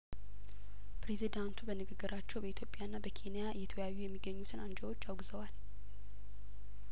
ፕሬዝዳንቱ በንግግራቸው በኢትዮጵያ ና በኬንያ እየተወያዩ የሚገኙትን አንጃዎች አውግዘዋል